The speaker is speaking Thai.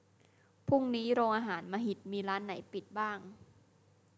พรุ่งนี้โรงอาหารมหิตมีร้านไหนปิดบ้าง